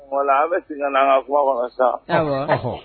Tuma an bɛ sigi ka an ka kuma kɔnɔ sa